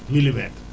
milimètre